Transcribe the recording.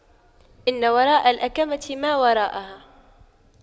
إن وراء الأَكَمةِ ما وراءها